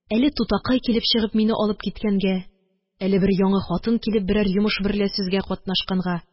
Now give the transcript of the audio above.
Әле тутакай килеп чыгып мине алып киткәнгә, әле бер яңы хатын килеп берәр йомыш берлә сүзгә катнашканга